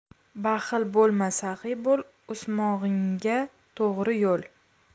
baxil bo'lma saxiy bo'l o'smog'ingga to'g'ri yo'l